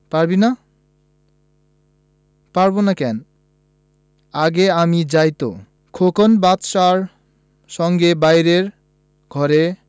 পারবি না পারব না কেন আগে আমি যাই তো খোকন বাদশার সঙ্গে বাইরের ঘরে